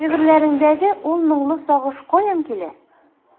Шигырьләреңдәге ул моңлы сагыш каян килә?